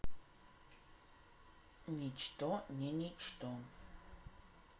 ничто не ничто